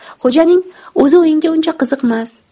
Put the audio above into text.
xo'janing o'zi o'yinga uncha qiziqmas